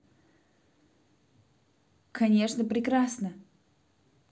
конечно прекрасно